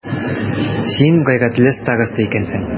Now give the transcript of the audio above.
Син гайрәтле староста икәнсең.